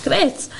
grêt